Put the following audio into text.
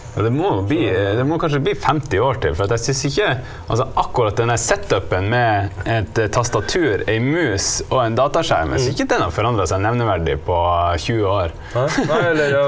ja det må jo bli det må kanskje bli 50 år til for at jeg syns ikke altså akkurat den her med et tastatur, ei mus og en dataskjerm, jeg synes ikke den har forandra seg nevneverdig på 20 år .